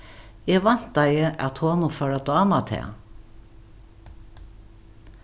eg væntaði at honum fór at dáma tað